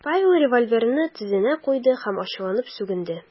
Павел револьверны тезенә куйды һәм ачуланып сүгенде .